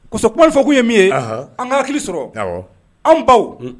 Kɔsɔfɔ ko ye min ye an ka hakili sɔrɔ an baw